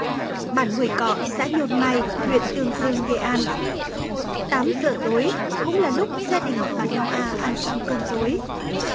bản huồi cọ xã nhôn mai huyện tương dương nghệ an tám giờ tối cũng là lúc gia đình bà nau a ăn xong cơm tối